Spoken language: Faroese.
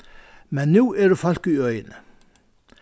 men nú eru fólk í øðini